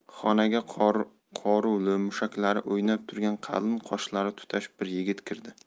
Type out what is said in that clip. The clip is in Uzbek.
xonaga qoruvli mushaklari o'ynab turgan qalin qoshlari tutash bir yigit kirdi